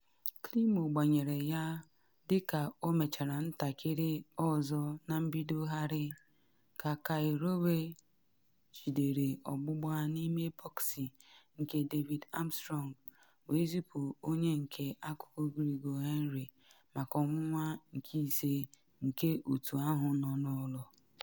Climo gbanyere ya, dị ka ọ mechara ntakịrị ọzọ na mbidogharị, ka Kyle Rowe jidere ọgbụgba n’ime bọksị nke David Armstrong wee zipu onye nke akụkụ Gregor Henry maka ọnwụnwa nke ise nke otu ahụ nọ n’ụlọ.